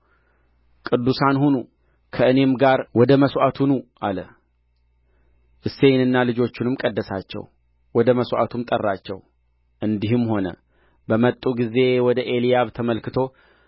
ቅዱሳን ሁኑ ከእኔም ጋር ወደ መሥዋዕቱ ኑ አለ እሴይንና ልጆቹንም ቀደሳቸው ወደ መሥዋዕቱም ጠራቸው እንዲህም ሆነ በመጡ ጊዜ ወደ ኤልያብ ተመልክቶ